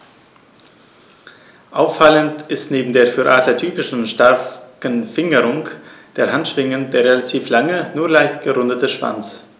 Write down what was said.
Auffallend ist neben der für Adler typischen starken Fingerung der Handschwingen der relativ lange, nur leicht gerundete Schwanz.